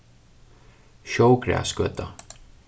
sjógrasgøta